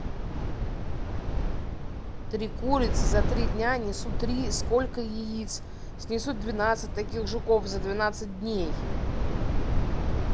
три курицы за три дня несут три сколько яиц снесут двенадцать таких жуков за двенадцать дней